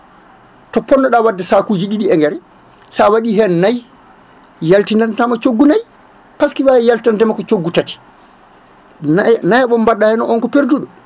to ponnoɗa wadde sakuji ɗiɗi engrais sa waɗi hen nayyi yaltinantama coggu nayyi par ce que wawi yaltinandema ko coggu tati nayyi nayoɓo mo mbaɗɗa hen o on ko perduɗo